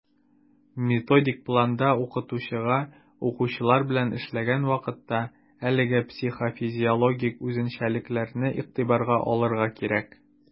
Методик планда укытучыга, укучылар белән эшләгән вакытта, әлеге психофизиологик үзенчәлекләрне игътибарга алырга кирәк.